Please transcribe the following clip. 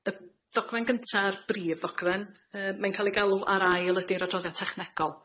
Y ddogfen gynta'r brif ddogfen yy mae'n ca'l ei galw ar ail ydi'r adroddiad technegol.